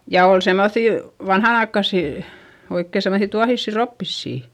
ja oli semmoisia vanhanaikaisia oikein semmoisia tuohisia roppisia